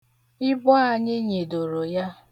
Ibu anyị nyịdoro ya.